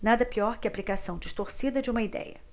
nada pior que a aplicação distorcida de uma idéia